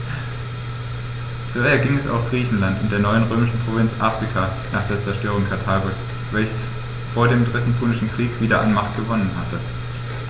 So erging es auch Griechenland und der neuen römischen Provinz Afrika nach der Zerstörung Karthagos, welches vor dem Dritten Punischen Krieg wieder an Macht gewonnen hatte.